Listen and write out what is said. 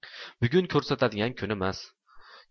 bugun ko'rsatadigan kunimas